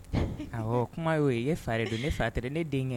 Don ne fa ne